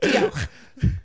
Diolch.